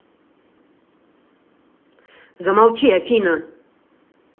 замолчи афина